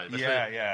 Felly ie ie.